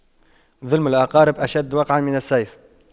ظلم الأقارب أشد وقعا من السيف